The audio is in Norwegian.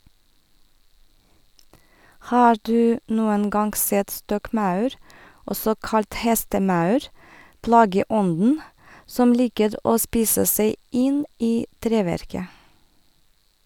Har du noen gang sett stokkmaur, også kalt hestemaur , plageånden som liker å spise seg inn i treverket?